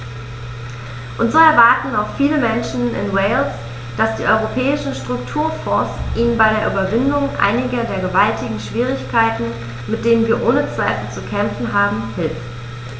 Und so erwarten auch viele Menschen in Wales, dass die Europäischen Strukturfonds ihnen bei der Überwindung einiger der gewaltigen Schwierigkeiten, mit denen wir ohne Zweifel zu kämpfen haben, hilft.